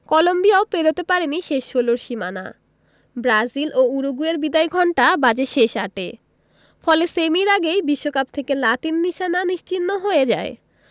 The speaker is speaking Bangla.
কলম্বিয়াও পেরোতে পারেনি শেষ ষোলোর সীমানা ব্রাজিল ও উরুগুয়ের বিদায়ঘণ্টা বাজে শেষ আটে ফলে সেমির আগেই বিশ্বকাপ থেকে লাতিন নিশানা নিশ্চিহ্ন হয়ে যায়